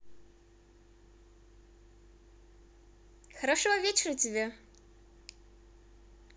хорошего вечера тебе